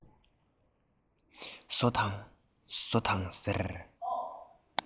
བྱིས པ དེའི ཞིམ ཉམས ཀྱི